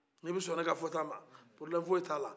ni i bɛ sɔn ne ka fɔta ma o tɛ kogɛlɛ ye